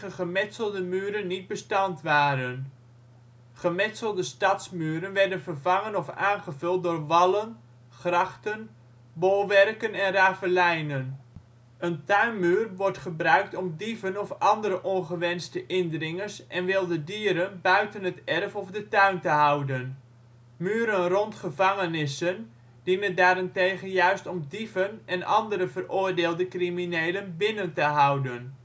gemetselde muren niet bestand waren. Gemetselde stadsmuren werden vervangen of aangevuld door wallen, grachten, bolwerken en ravelijnen. Voor een overzicht van historische en anderszins belangrijke muren, zie Categorie muur. Zie ook: Wall Street. Een tuinmuur wordt gebruikt om dieven of andere ongewenste indringers en wilde dieren buiten het erf of de tuin te houden. Muren rond gevangenissen dienen daarentegen juist om dieven en andere veroordeelde criminelen binnen te houden